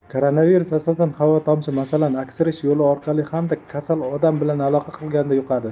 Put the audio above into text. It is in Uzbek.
koronavirus asosan havo tomchi masalan aksirish yo'li orqali hamda kasal odam bilan aloqa qilganda yuqadi